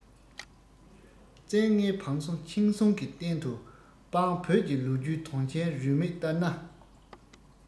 བཙན ལྔའི བང སོ འཆིང གསུང གི རྟེན དུ དཔང བོད ཀྱི ལོ རྒྱུས དོན ཆེན རེའུ མིག ལྟར ན